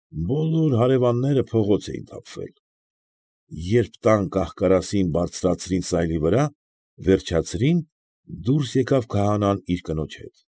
Բոլոր հարևանները փողոց էին թափվել։ Երբ տան կահ֊կարասին բարձեցին սայլի վրա, վերջացրին, դուրս եկավ քահանան իր կնոջ հետ։